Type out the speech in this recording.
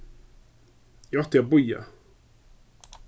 eg átti at bíðað